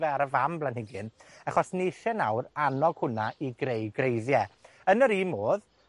fe ar y fam blanhigyn, achos ni isie nawr anog hwnna i greu greiddiau. Yn yr un modd,